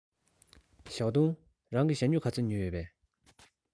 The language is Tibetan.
ཞའོ ཏུང རང གིས ཞྭ སྨྱུག ག ཚོད ཉོས ཡོད པས